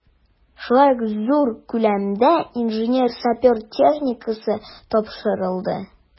Шулай ук зур күләмдә инженер-сапер техникасы тапшырылды.